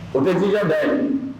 O bɛ jiba bɛɛ